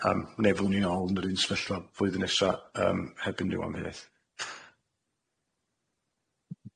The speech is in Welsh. Yym ne' fyddwn ni nôl yn yr un sefyllfa flwyddyn nesa yym heb unrhyw amheaeth.